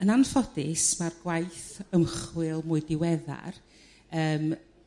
Yn anffodus mae'r gwaith ymchwil mwy diweddar yrm